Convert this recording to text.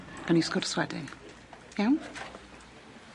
Gawn ni sgwrs wedyn. Iawn?